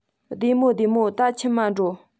བདེ མོ བདེ མོ ད ཁྱིམ མ འགྱོ